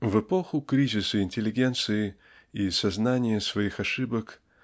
В эпоху кризиса интеллигенции и сознания свих ошибок